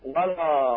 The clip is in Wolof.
voilà